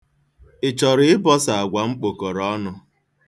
Ị chọrọ ịbọsa àgwà m kpokọrọ ọnụ?